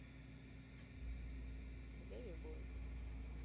деви бун